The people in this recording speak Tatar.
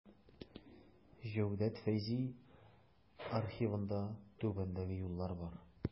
Җәүдәт Фәйзи архивында түбәндәге юллар бар.